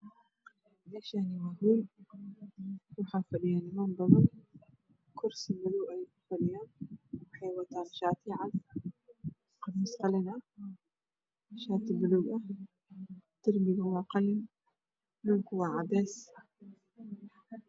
Meshaan waa hol waxaa fadhiyo niman badan kursi madow ayey ku fadhiyaan waxey wataan shaatiyo cad qamiis qalin ah shaati paluug ah darligu waa qalin dhulak cadees